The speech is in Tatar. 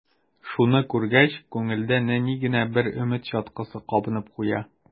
Шуны күргәч, күңелдә нәни генә бер өмет чаткысы кабынып куя.